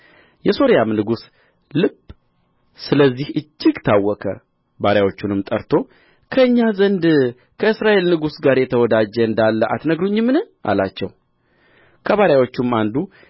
የሶርያም ንጉሥ ልብ ስለዚህ እጅግ ታወከ ባሪያዎቹንም ጠርቶ ከእኛ ዘንድ ከእስራኤል ንጉሥ ጋር የተወዳጀ እንዳለ አትነግሩኝምን አላቸው ከባሪያዎቹም አንዱ